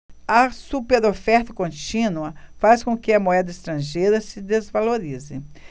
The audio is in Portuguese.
a superoferta contínua faz com que a moeda estrangeira se desvalorize